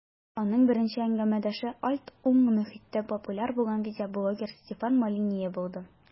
Аның беренче әңгәмәдәше "альт-уң" мохиттә популяр булган видеоблогер Стефан Молинье булды.